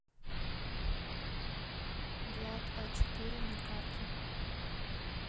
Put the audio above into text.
влад а четыре на карте